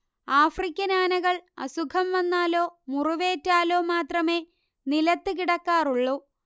African ആനകൾ അസുഖം വന്നാലോ മുറിവേറ്റാലോ മാത്രമേ നിലത്ത് കിടക്കാറുള്ളൂ